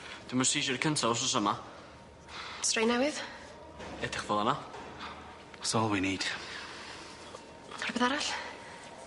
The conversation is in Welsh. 'di o'n yn sesiure cynta wsos yma. Strain newydd? Edrych fel yna. 'S all we need. Rhwbeth arall?